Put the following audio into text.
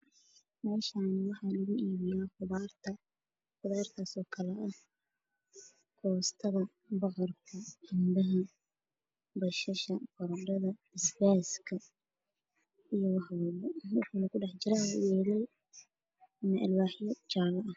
Meeshaan waxaa taalo qudaar ah koostada, bocorka, banbanooni, basash, baradhada, cambaha, basbaaska waxayna kujiraan alwaaxyo jaale ah.